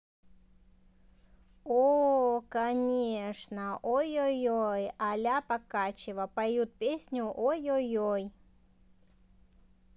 ооо конечно ойойой аля покачева поют песню ой ой ой